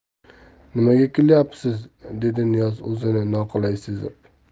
nimaga kulyapsiz dedi niyoz o'zini noqulay sezib